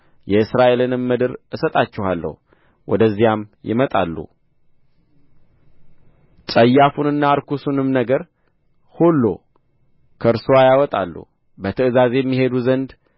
የእስራኤልንም ምድር እሰጣችኋለሁ ወደዚያም ይመጣሉ ጸያፉንና ርኩሱንም ነገር ሁሉ ከእርስዋ ያወጣሉ በትእዛዜም ይሄዱ ዘንድ